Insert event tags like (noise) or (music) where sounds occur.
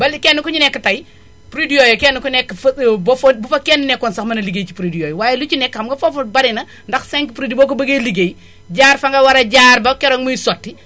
ba li kenn ku ci nekk tay produit yooyu kenn ku nekk fa (hesitation) boo fa bu fa kenn nekkoon sax mën a liggéey ci produit yooyu waaye lu ci nekk xam nga foofu bari na ndax cinq produits boo ko bëggee liggéey jaar fa nga war a jaar ba keroog muy sotti